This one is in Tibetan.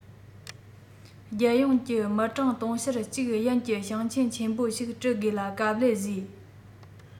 རྒྱལ ཡོངས ཀྱི མི གྲངས དུང ཕྱུར གཅིག ཡན གྱི ཞིང ཆེན ཆེན པོ ཞིག དྲུད དགོས ལ དཀའ ལས བཟོས